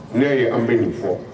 N'i y'a ye an bɛ nin fɔ